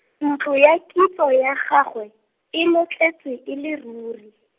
Ntlo ya kitso ya gagwe, e lotletswe e le rure.